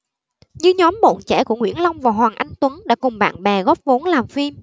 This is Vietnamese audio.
như nhóm bọn trẻ của nguyễn long và hoàng anh tuấn đã cùng bạn bè góp vốn làm phim